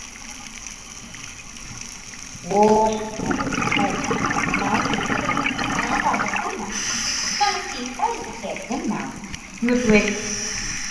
โอ๊ย หนาวโพดหนาวโพ หนาวอิหยังกะด้อกะเดี้ย หนาวปานบ่เคยหนาว นั่งผิงไฟอยู่แท้แท้ยังหนาว งึดเว้ย